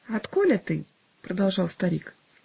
"А отколе ты?"-- продолжал старик.